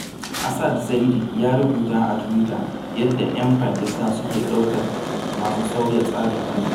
Asad Zaidi ya rubuta a Tuwita yadda 'yan Pakistan suke ɗaukar masu sauya tsarin halitta: